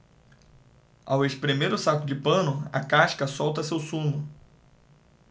ao espremer o saco de pano a casca solta seu sumo